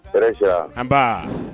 Hɛrɛ sera nba